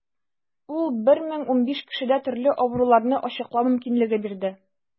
Ул 1015 кешедә төрле авыруларны ачыклау мөмкинлеге бирде.